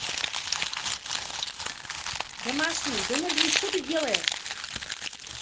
домашний да ну блин что ты делаешь